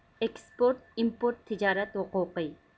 ئىكىسپورت ئىمپورت تىجارەت ھوقۇقى